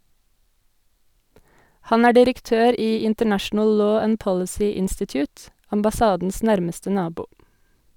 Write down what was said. Han er direktør i "International law and policy institute", ambassadens nærmeste nabo.